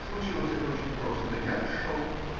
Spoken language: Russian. Случилось это очень просто; я шел.